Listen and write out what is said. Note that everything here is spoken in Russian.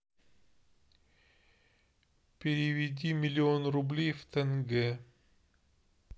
переведи миллион рублей в тенге